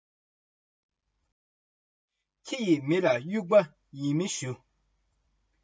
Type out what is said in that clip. ཁྱི ངན བདག འཛིན བྱེད མཁན མི ངན རེད